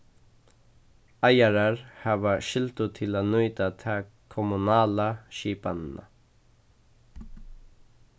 eigarar hava skyldu til at nýta ta kommunala skipanina